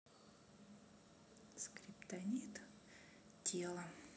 скриптонит тело